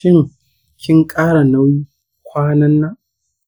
shin, kin ƙara nauyi kwanan nan?